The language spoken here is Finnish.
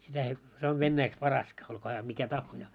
sitä ei se on venäjäksi Paraska olkoon hän mikä tahansa